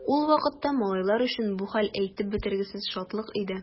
Ул вакытта малайлар өчен бу хәл әйтеп бетергесез шатлык иде.